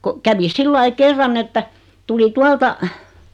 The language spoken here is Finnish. kun kävi sillä lailla kerran että tuli tuolta